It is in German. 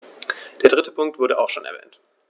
Der dritte Punkt wurde auch schon erwähnt.